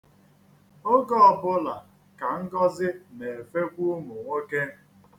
Oge ọbụla ka Ngozi na-efekwu ụmụnwoke.